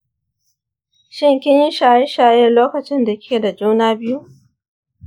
shin kin yi shaye-shake lokacin da kike da juna biyu?